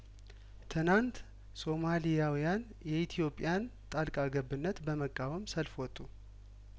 ትናንት ሶማሊያውያን የኢትዮጵያን ጣልቃ ገብነት በመቃወም ሰልፍወጡ